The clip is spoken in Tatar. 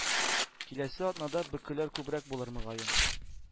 Киләсе атнада бөкеләр күбрәк булыр, мөгаен.